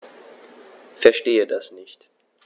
Verstehe das nicht.